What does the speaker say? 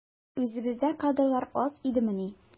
Үзебездә кадрлар аз идемени?